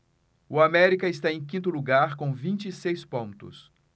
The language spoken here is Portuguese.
o américa está em quinto lugar com vinte e seis pontos